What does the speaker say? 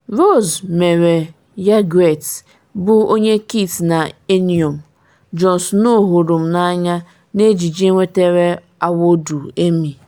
Rose mere Ygritte, bụ onye Kit na eṅomi, Jon Snow hụrụ n’anya, n’ejije nwetara awọdụ Emmy.